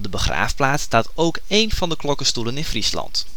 begraafplaats staat ook één van de klokkenstoelen in Friesland